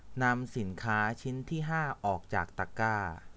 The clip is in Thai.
นำสินค้าชิ้นที่ห้าออกจากตะกร้า